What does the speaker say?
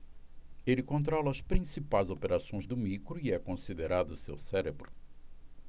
ele controla as principais operações do micro e é considerado seu cérebro